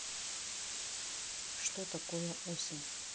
что такое осень